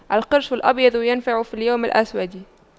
القرش الأبيض ينفع في اليوم الأسود